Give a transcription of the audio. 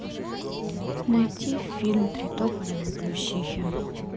найти фильм три тополя на плющихе